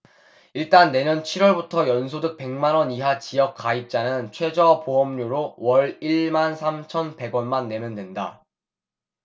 일단 내년 칠 월부터 연소득 백 만원 이하 지역가입자는 최저보험료로 월 일 만 삼천 백 원만 내면 된다